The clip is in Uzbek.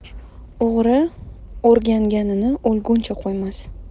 o'g'ri o'rganganini o'lguncha qo'ymas